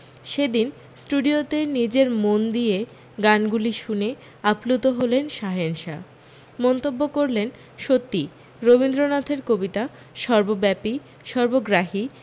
সে দিন স্টুডিওতে নিজে মন দিয়ে গানগুলি শুনে আপ্লুত হলেন শাহেনশা মন্তব্য করলেন সত্যিই রবীন্দ্রনাথের কবিতা সর্বব্যাপী সর্বগ্রাহী